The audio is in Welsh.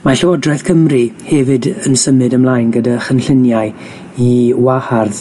Mae Llywodraeth Cymru hefyd yn symud ymlaen gyda chynlluniau i wahardd